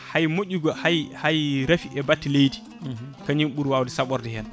hay moƴƴu hay hay batte leydi kañum ɓuuri wade saɓorde hen